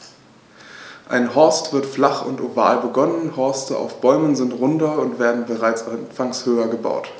Ein Horst wird flach und oval begonnen, Horste auf Bäumen sind runder und werden bereits anfangs höher gebaut.